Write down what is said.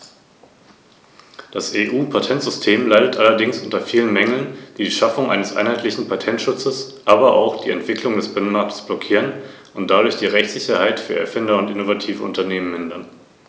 Herr Präsident, ich möchte Frau Schroedter ganz herzlich für die von ihr zu diesem Thema geleistete Arbeit danken. Gleichzeitig möchte ich erklären, dass ich im Namen meiner Kollegin Frau Flautre spreche, die die Stellungnahme im Auftrag des Ausschusses für Beschäftigung und soziale Angelegenheiten erarbeitet hat und leider erkrankt ist.